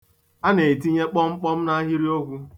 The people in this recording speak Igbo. A na-etinye kpọmkpọm n'ahịrịokwu.